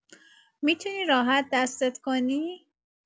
می‌تونی راحت دستت کنی.